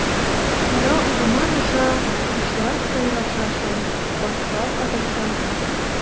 Кара урман аша, кошлар сайраша шул, башлар адаша.